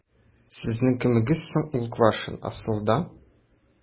Сезнең кемегез соң ул Квашнин, асылда? ..